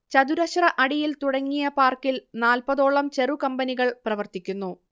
ചതുരശ്ര അടിയിൽ തുടങ്ങിയ പാർക്കിൽ നാൽപതോളം ചെറുകമ്പനികൾ പ്രവർത്തിക്കുന്നു